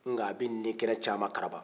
nka a bɛ ninkɛnɛ caman karaba